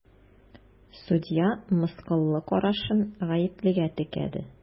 Судья мыскыллы карашын гаеплегә текәде.